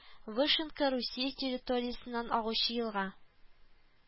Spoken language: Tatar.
Вышенка Русия территориясеннән агучы елга